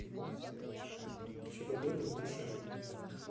чбд лучшее